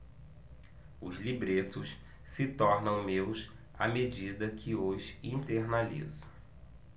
os libretos se tornam meus à medida que os internalizo